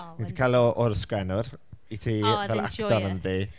Ni 'di cael o o'r sgwenwr, i ti, fel... O, oedd e'n joyous.... actor yndy.